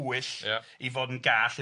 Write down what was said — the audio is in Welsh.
... i fod yn gall